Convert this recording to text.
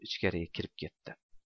ichkariga kirib ketdi